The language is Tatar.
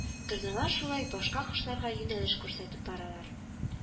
Торналар шулай башка кошларга юнәлеш күрсәтеп баралар